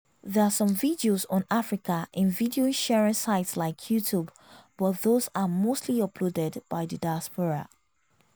There are some videos on Africa in Video sharing sites like YouTube but those are mostly uploaded by the diaspora.